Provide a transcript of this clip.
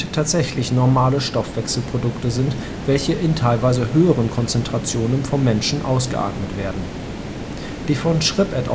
tatsächlich normale Stoffwechselprodukte sind, welche in teilweise höheren Konzentrationen vom Menschen ausgeatmet werden. Die von Schripp et